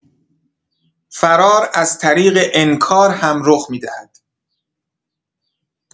فرار از طریق انکار هم رخ می‌دهد.